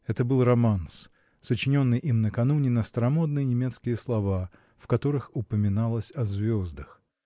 Это был романс, сочиненный им накануне на старомодные немецкие слова, в которых упоминалось о звездах.